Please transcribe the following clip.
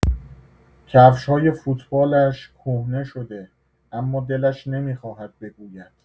کفش‌های فوتبالش کهنه شده اما دلش نمی‌خواهد بگوید.